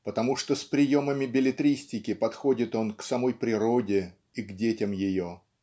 потому что с приемами беллетристики подходит он к самой природе и к детям ее.